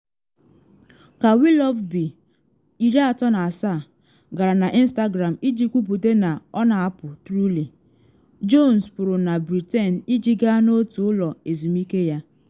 Ka Willoughby, 37, gara na Instagram iji kwupute na ọ na apụ Truly, Jones pụrụ na Britain iji gaa n’otu ụlọ ezumike ya.